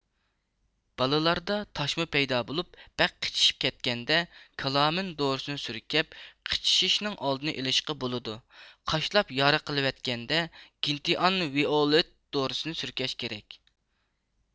بالىلاردا تاشما پەيدا بولۇپ بەك قىچىشىپ كەتكەندە كالامىن دورىسىنى سۈركەپ قىچىشىشنىڭ ئالدىنى ئېلىشقا بولىدۇ قاشلاپ يارا قىلىۋەتكەندە گېنتىئان ۋىئولېت دورىسنى سۈركەش كېرەك